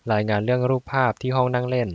รายงานเรื่องรูปภาพที่ห้องนั่งเล่น